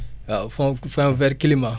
waaw fond fond vers climat